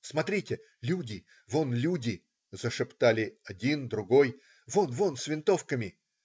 "Смотрите, люди, вон люди,- зашептали один, другой,- вон, вон, с винтовками".